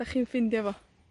'dych chi'n ffindio fo.